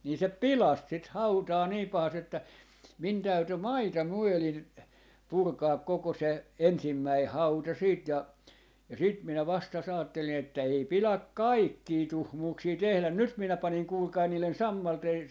niin se pilasi sitten hautaa niin pahasti että minun täytyi maita myöden purkaa koko se ensimmäinen hauta sitten ja ja sitten minä vasta ajattelin että ei pidä kaikkia tuhmuuksia tehdä nyt minä panin kuulkaa niiden sammalten